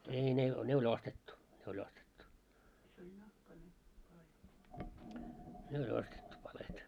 ei ne ne oli ostettu se oli ostettu ne oli ostettu palkeet